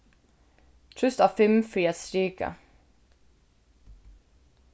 trýst á fimm fyri at strika